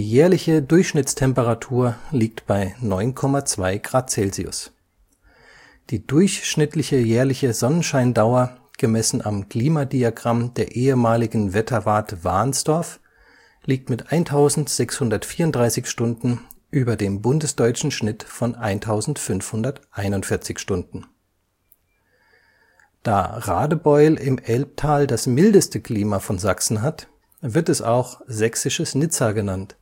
jährliche Durchschnittstemperatur liegt bei 9,2 °C. Die durchschnittliche jährliche Sonnenscheindauer, gemessen am Klimadiagramm der ehemaligen Wetterwarte Wahnsdorf, liegt mit 1634 Stunden über dem bundesdeutschen Schnitt von 1541 Stunden. Da Radebeul im Elbtal das mildeste Klima von Sachsen hat, wird es auch Sächsisches Nizza genannt